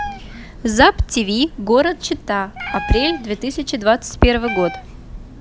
zabtv город чита апрель две тысячи двадцать первый год